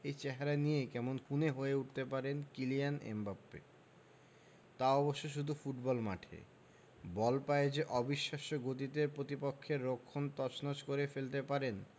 এই চেহারা নিয়েই কেমন খুনে হয়ে উঠতে পারেন কিলিয়ান এমবাপ্পে তা অবশ্য শুধু ফুটবল মাঠে বল পায়ে যে অবিশ্বাস্য গতিতে প্রতিপক্ষের রক্ষণ তছনছ করে ফেলতে পারেন